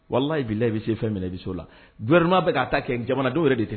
Wala i' la i bɛ se fɛn minɛ i bɛ so la bima bɛ ka ta kɛ jamana dɔw yɛrɛ de tigɛ